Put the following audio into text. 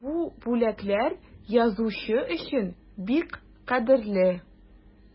Бу бүләкләр язучы өчен бик кадерле.